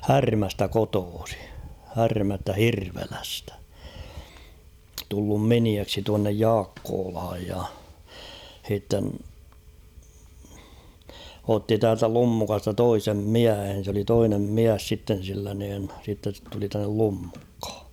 Härmästä kotoisin Härmästä Hirvelästä tullut miniäksi tuonne Jaakkolaan ja sitten otti täältä Lummukasta toisen miehen se oli toinen mies sitten sillä niin sitten se tuli tänne Lummukkaan